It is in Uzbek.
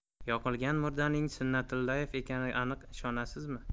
yoqilgan murdaning sunnatullaev ekaniga aniq ishonasizmi